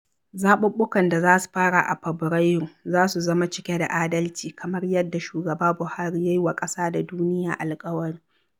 Zaɓuɓɓukan da za su fara a Fabarairu za su zama cike da adalci kamar yadda shugaba Buhari ya yi wa ƙasa da duniya alƙawari.